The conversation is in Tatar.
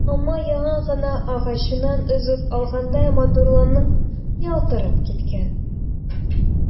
Алма яңа гына агачыннан өзеп алгандай матурланып, ялтырап киткән.